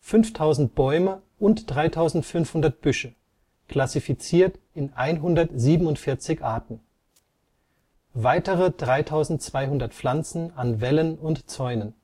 5000 Bäume und 3500 Büsche, klassifiziert in 147 Arten Weitere 3.200 Pflanzen an Wällen und Zäunen